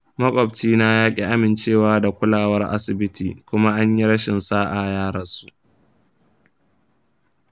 maƙwabcina yaƙi amincewa da kulawar asibiti kuma anyi rashin sa'a ya rasu.